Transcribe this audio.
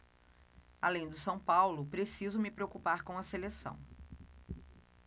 além do são paulo preciso me preocupar com a seleção